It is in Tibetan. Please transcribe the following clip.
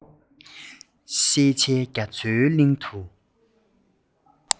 ཤེས བྱའི རྒྱ མཚོའི གླིང དུ